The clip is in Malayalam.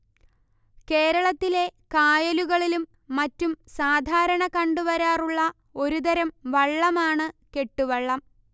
കേരളത്തിലെ കായലുകളിലും മറ്റും സാധാരണ കണ്ടുവരാറുള്ള ഒരു തരം വള്ളമാണ് കെട്ടുവള്ളം